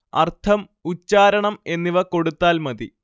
അർത്ഥം ഉച്ചാരണം എന്നിവ കൊടുത്താൽ മതി